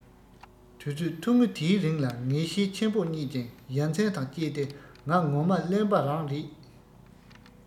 དུས ཚོད ཐུང ངུ དེའི རིང ལ ངེས ཤེས ཆེན པོ རྙེད ཅིང ཡ མཚན དང བཅས ཏེ ང ངོ མ གླེན པ རང རེད